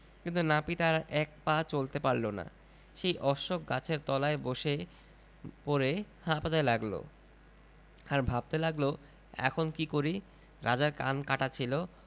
কিন্তু নাপিত আর এক পা চলতে পারল না সেই অশ্বখ গাছের তলায় বসে পড়ে হাঁপাতে লাগল আর ভাবতে লাগল এখন কী করি রাজার কান কাটা ছিল